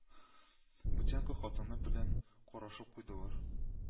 Бутенко хатыны белән карашып куйдылар